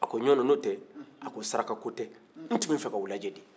a ko n'o tɛ a ko ko saraka ko tɛ n tun b'a fɛ k'aw lajɛ de